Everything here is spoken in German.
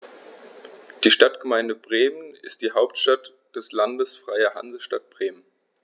Die Stadtgemeinde Bremen ist die Hauptstadt des Landes Freie Hansestadt Bremen.